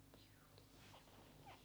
juu